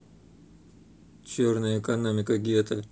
черная экономика гетто